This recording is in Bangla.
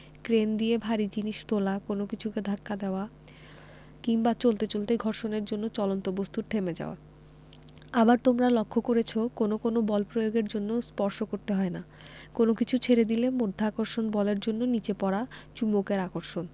ক্রেন দিয়ে ভারী জিনিস তোলা কোনো কিছুকে ধাক্কা দেওয়া কিংবা চলতে চলতে ঘর্ষণের জন্য চলন্ত বস্তুর থেমে যাওয়া আবার তোমরা লক্ষ করেছ কোনো কোনো বল প্রয়োগের জন্য স্পর্শ করতে হয় না কোনো কিছু ছেড়ে দিলে মাধ্যাকর্ষণ বলের জন্য নিচে পড়া চুম্বকের আকর্ষণ